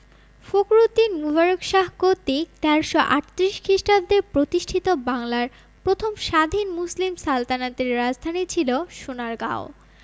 ফখরুদ্দীন মুবারক শাহ কর্তৃক ১৩৩৮ খ্রিস্টাব্দে প্রতিষ্ঠিত বাংলার প্রথম স্বাধীন মুসলিম সালতানাতের রাজধানী ছিল সোনারগাঁও